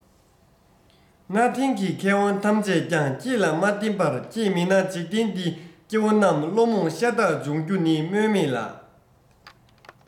གནའ དེང གི མཁས དབང ཐམས ཅད ཀྱང ཁྱེད ལ མ བསྟེན པར ཁྱེད མེད ན འཇིག རྟེན འདི སྐྱེ བོ རྣམས བློ རྨོངས ཤ སྟག འབྱུང རྒྱུ ནི སྨོས མེད ལགས